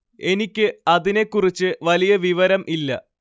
എനിക്ക് അതിനെ കുറിച്ച് വലിയ വിവരം ഇല്ല